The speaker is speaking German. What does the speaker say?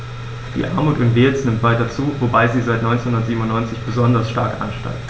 Die Armut in Wales nimmt weiter zu, wobei sie seit 1997 besonders stark ansteigt.